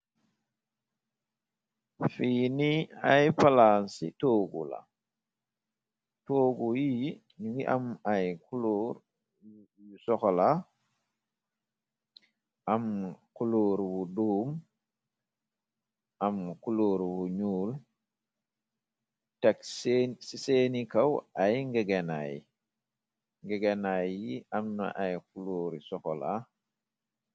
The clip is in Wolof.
Fii ni ay palaansi tóogu la toogu yi ñu ngi am ay kulóor yu soxola am kulóor wu duum am kulóor wu ñuul teg ci seeni kaw ay ngegenay yi am na ay kulóori soxola.